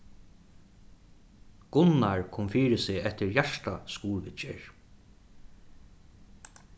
gunnar kom fyri seg eftir hjartaskurðviðgerð